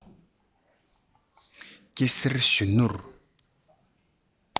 སྐྱེ སེར གཞོན ནུར